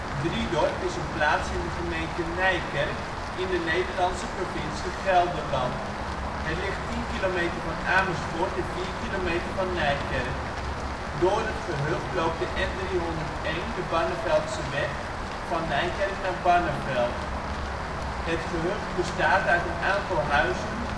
Driedorp is een plaats in de gemeente Nijkerk in de Nederlandse provincie Gelderland. Het ligt 10 km van Amersfoort en 4 km van Nijkerk. Door het gehucht loopt de N301 (Barneveldseweg), van Nijkerk naar Barneveld. Het gehucht bestaat uit een aantal huizen